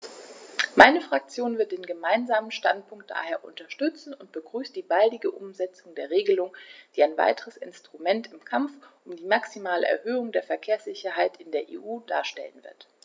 Meine Fraktion wird den Gemeinsamen Standpunkt daher unterstützen und begrüßt die baldige Umsetzung der Regelung, die ein weiteres Instrument im Kampf um die maximale Erhöhung der Verkehrssicherheit in der EU darstellen wird.